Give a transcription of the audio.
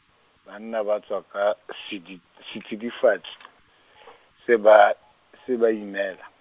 banna ba tswa ka sedi setsidifatsi, se ba, se ba imela.